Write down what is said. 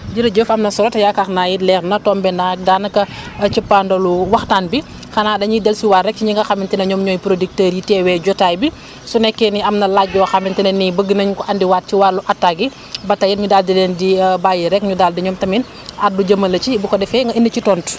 jërëjëf am na solo te yaakaar naa it leer na tombé naag daanaka cappandalu waxtaan bi xanaa dañuy dellusiwaat rek si ñi nga xamante ne ñoom ñooy producteurs yi teewee jotaay bi su nekkee ni am na laaj yoo xamante ne ni bëgg nañ ko andiwaat ci wàllu attaques yi ba tey it ñu daal di leen di bàyyi rek ñu daal di ñoom tamit addu jëmale ci bu ko defee nga indi ci tontu